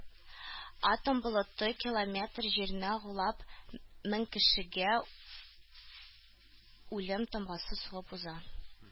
Атом болыты километр җирне агулап мең кешегә үлем тамгасы сугып уза.